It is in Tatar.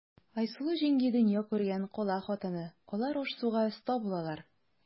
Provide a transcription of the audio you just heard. Айсылу җиңги дөнья күргән, кала хатыны, алар аш-суга оста булалар.